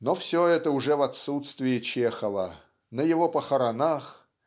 но все это уже в отсутствие Чехова на его похоронах